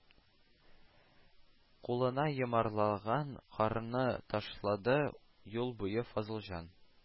Кулына йомарлаган карны ташлады, юл буе фазылҗан